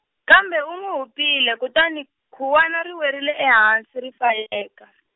kambe u n'wi hupile, kutani khuwani ri werile ehansi ri fayeka.